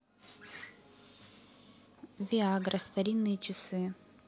виа гра старинные часы